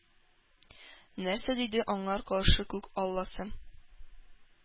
Нәрсә диде аңар каршы күк алласы?